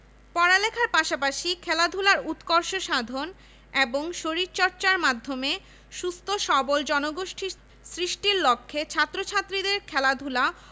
ও শরীরচর্চার জন্য রয়েছে ঢাকা বিশ্ববিদ্যালয়ে শারীরিক শিক্ষাকেন্দ্র এখানে বিশ্ববিদ্যালয় কেন্দ্রীয় খেলার মাঠ ছাড়াও রয়েছে একটি আধুনিক সুইমিং পুল কমপ্লেক্স